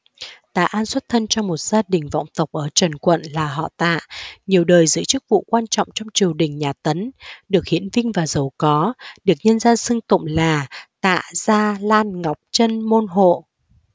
tạ an xuất thân trong một gia đình vọng tộc ở trần quận là họ tạ nhiều đời giữ chức vụ quan trọng trong triều đình nhà tấn được hiển vinh và giàu có được nhân gian xưng tụng là tạ gia lan ngọc chân môn hộ